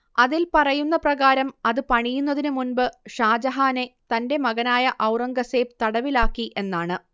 അതിൽ പറയുന്ന പ്രകാരം അത് പണിയുന്നതിനു മുൻപ് ഷാജഹാനെ തന്റെ മകനായ ഔറംഗസേബ് തടവിലാക്കി എന്നാണ്